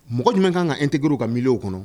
Mɔgɔ jumɛn kan ka an tigiguru ka miliw kɔnɔ